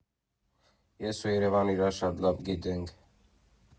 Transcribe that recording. Ես ու Երևանն իրար շատ լավ գիտենք։